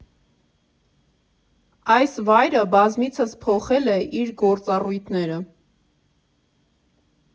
Այս վայրը բազմիցս փոխել է իր գործառույթները.